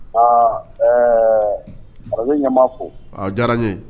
Aa ɛɛ ara ɲamama fo diyara n ye